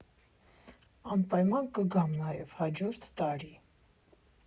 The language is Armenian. Անպայման կգամ նաև հաջորդ տարի։